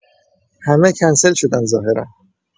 همه کنسل شدن ظاهرا